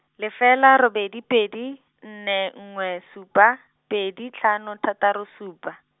lefela robedi pedi, nne nngwe supa, pedi tlhano thataro supa.